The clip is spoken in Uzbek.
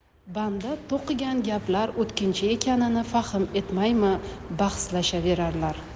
banda to'qigan gaplar o'tkinchi ekanini fahm etmaymi bahslashaverarlar